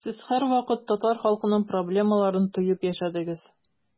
Сез һәрвакыт татар халкының проблемаларын тоеп яшәдегез.